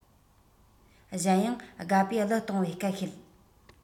གཞན ཡང དགའ པོའི གླུ གཏོང བའི སྐད ཤེད